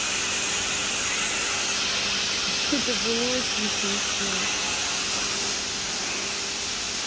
это было очень смешно